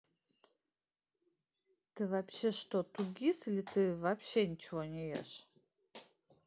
ты вообще что 2gis или ты вообще ничего не ешь